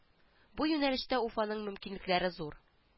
Бу юнәлештә уфаның мөмкинлекләре зур